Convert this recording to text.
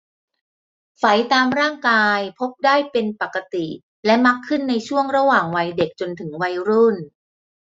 ไฝตามร่างกายพบได้เป็นปกติและมักขึ้นในช่วงระหว่างวัยเด็กจนถึงวัยรุ่น